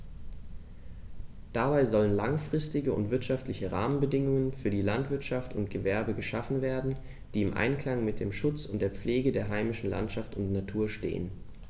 Dabei sollen langfristige und wirtschaftliche Rahmenbedingungen für Landwirtschaft und Gewerbe geschaffen werden, die im Einklang mit dem Schutz und der Pflege der heimischen Landschaft und Natur stehen.